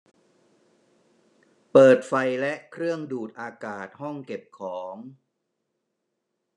เปิดไฟและเครื่องดูดอากาศห้องเก็บของ